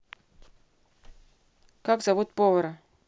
как зовут повара